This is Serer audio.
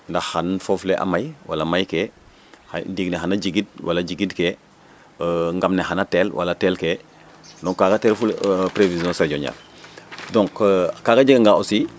ndax xan fof le a may wala may ke xa ndiig ne xaye jigid wala jigidkee ngam ne xana tel wala telkee donc kaaga te refu prévision saisonniére donc kaaga jega nga aussi e